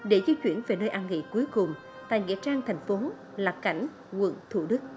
để di chuyển về nơi an nghỉ cuối cùng tại nghĩa trang thành phố lạc cảnh quận thủ đức